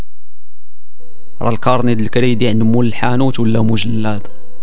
القرني الكريدي عند مول الحانوت ولا لا